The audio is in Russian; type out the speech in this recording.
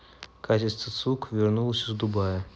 катя стецюк вернулась из дубая